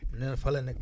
nee na fa la nekk